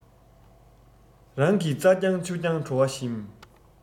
རང གི རྩ རྐྱང ཆུ རྐྱང བྲོ བ ཞིམ